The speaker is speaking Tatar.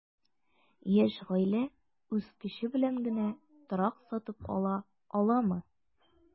Яшь гаилә үз көче белән генә торак сатып ала аламы?